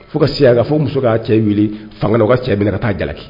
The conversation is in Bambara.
Fo ka se' ka fɔ muso ka'a cɛ wili fanga ka cɛ minɛ ka taa jalaki